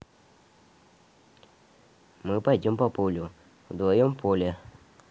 мы пойдем по полю вдвоем поле